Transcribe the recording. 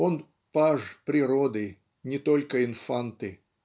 Он -- паж природы, не только инфанты.